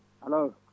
alo